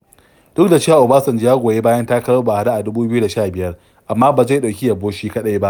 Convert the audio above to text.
Duk da cewa Obasanjo ya goyi bayan takarar Buhari a 2015, amma ba zai ɗauki yabo shi kaɗai ba.